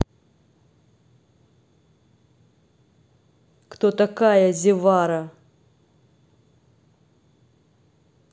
кто такая зевара